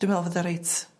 dwi me'wl fod o reit